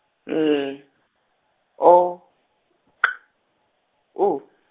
L O K U.